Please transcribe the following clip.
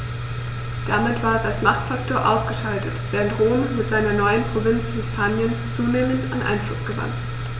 Damit war es als Machtfaktor ausgeschaltet, während Rom mit seiner neuen Provinz Hispanien zunehmend an Einfluss gewann.